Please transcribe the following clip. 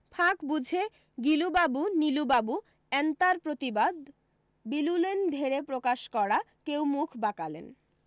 ফাঁক বুঝে গিলুবাবু নিলুবাবু এন্তার প্রতিবাদ বিলুলেন ধেড়ে প্রকাশকরা কেউ মুখ বাঁকালেন